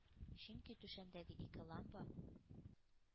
Чөнки түшәмдәге ике лампа